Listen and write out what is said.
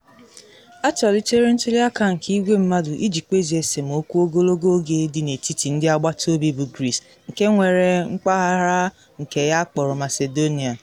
Atọlitere ntuli aka nke igwe mmadụ iji kpezie esemokwu ogologo oge dị n’etiti ndị agbataobi bụ Greece, nke nwere mpaghara nke ya akpọrọ Macedonia.